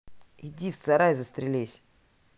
иди в сарай застрелись